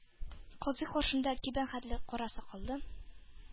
Казый, каршында кибән хәтле кара сакаллы